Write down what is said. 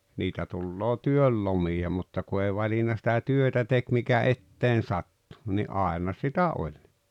niitä tulee työnlomia mutta kun ei valinnut sitä työtä teki mikä eteen sattui niin aina sitä oli